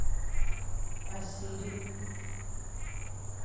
а сири